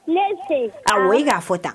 Ne se a wo i k'a fɔ tan